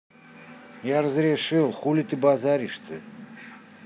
я разрешил хули ты базаришь то